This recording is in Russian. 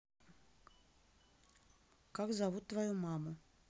как зовут твою маму